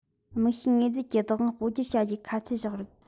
དམིགས བྱའི དངོས རྫས ཀྱི བདག དབང སྤོ སྒྱུར བྱ རྒྱུའི ཁ ཆད བཞག རིགས